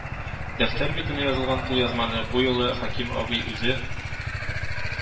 Дәфтәр битенә язылган кулъязманы бу юлы Хәким абый үзе